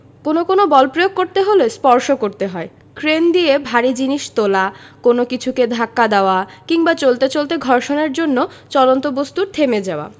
কোনো কোনো বল প্রয়োগ করতে হলে স্পর্শ করতে হয় ক্রেন দিয়ে ভারী জিনিস তোলা কোনো কিছুকে ধাক্কা দেওয়া কিংবা চলতে চলতে ঘর্ষণের জন্য চলন্ত বস্তুর থেমে যাওয়া